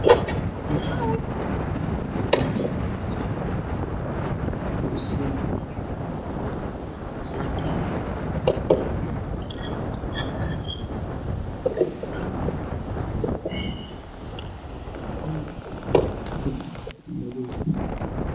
Meeshaan waxaa ii muuqda shaati kalarkiisii yahay caddaan meesha uu saaran yahay waa caddaan